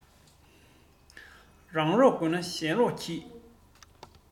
རང རོགས དགོས ན གཞན རོགས གྱིས